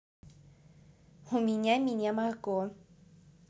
у меня меня марго